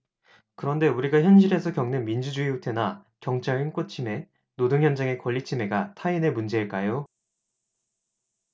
그런데 우리가 현실에서 겪는 민주주의 후퇴나 경찰 인권침해 노동현장의 권리침해가 타인의 문제일까요